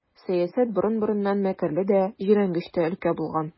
Сәясәт борын-борыннан мәкерле дә, җирәнгеч тә өлкә булган.